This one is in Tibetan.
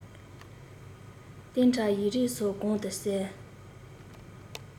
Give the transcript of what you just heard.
གཏན ཁྲ ཡིག རིགས སོགས གང དུ གསལ